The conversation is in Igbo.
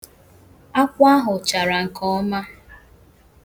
Akwụ ahụ chara nke ọma.